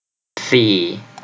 สี่